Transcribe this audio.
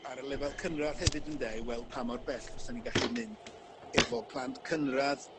ar y lefel cynradd hefyd ynde i weld pa mor bell fysan ni gallu mynd efo plant cynradd